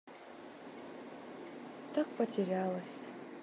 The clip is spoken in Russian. так потерялось